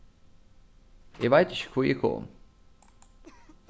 eg veit ikki hví eg kom